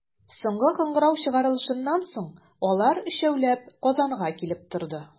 Соңгы кыңгырау чыгарылышыннан соң, алар, өчәүләп, Казанга килеп торды.